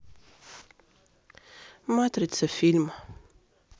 матрица фильм